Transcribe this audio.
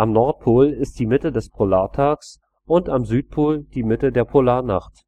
Nordpol ist die Mitte des Polartags und am Südpol die Mitte der Polarnacht